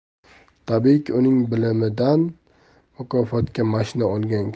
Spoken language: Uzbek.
tabiiyki uning bilimidan mukofotga mashina olgan